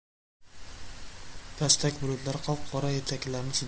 pastak bulutlar qop qora etaklarini